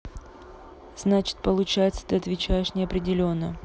значит получается ты отвечаешь неопределенно